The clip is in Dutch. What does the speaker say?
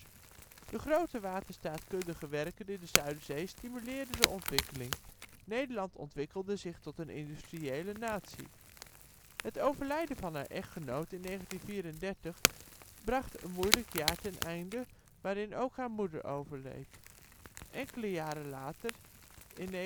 De grote waterstaatkundige werken in de Zuiderzee stimuleerden de ontwikkeling. Nederland ontwikkelde zich tot een industriële natie. Het overlijden van haar echtgenoot in 1934 bracht een moeilijk jaar ten einde, waarin ook haar moeder overleed. Enkele jaren later, in 1937, was er